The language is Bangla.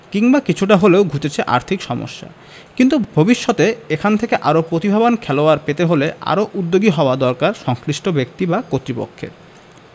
কিংবা কিছুটা হলেও ঘুচেছে আর্থিক সমস্যা কিন্তু ভবিষ্যতে এখান থেকে আরও প্রতিভাবান খেলোয়াড় পেতে হলে আরও উদ্যোগী হওয়া দরকার সংশ্লিষ্ট ব্যক্তি বা কর্তৃপক্ষের